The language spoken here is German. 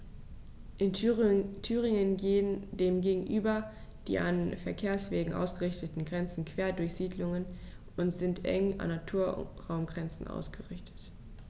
In Thüringen gehen dem gegenüber die an Verkehrswegen ausgerichteten Grenzen quer durch Siedlungen und sind eng an Naturraumgrenzen ausgerichtet.